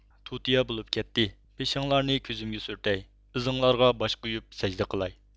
تۇتىيا بولۇپ كەتتى پېشىڭلارنى كۆزۈمگە سۈرتەي ئىزىڭلارغا باش قويۇپ سەجدە قىلاي